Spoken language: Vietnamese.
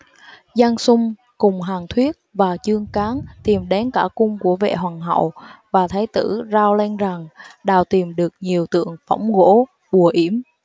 giang sung cùng hàn thuyết và chương cán tìm đến cả cung của vệ hoàng hậu và thái tử rao lên rằng đào tìm được nhiều tượng phỗng gỗ bùa yểm